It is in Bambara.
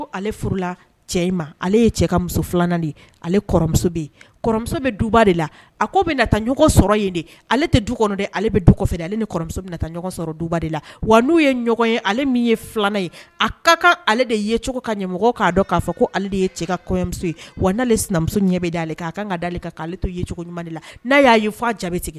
Muso a ale du ale bɛ du ale de la wa n'u ye ɲɔgɔn ye ale min ye filanan ye a ka ka ale de yecogo ka ɲɛmɔgɔ'a k'a fɔ ko ale de ye cɛ ka kɔɲɔmuso ye wa'ale sinamuso ɲɛ bɛ dalen ale kan ka dalenale k'ale to ye ɲuman la'a y'a ye fɔ jaabi tigɛ